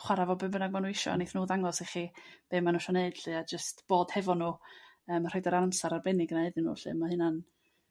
chwara' 'fo be' bynnag ma' nhw isio neith nhw ddangos i chi be' ma' nhw isio 'neud 'lly a jyst bod hefo nhw yrm rhoid yr amser arbennig 'na iddyn nhw 'lly ma' hynna'n